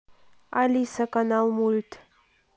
алиса канал мульт